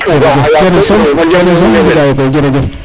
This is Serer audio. kene soom i mbida yo koy jerejef